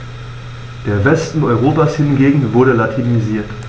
Der Westen Europas hingegen wurde latinisiert.